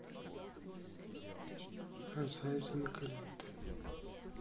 азазин крид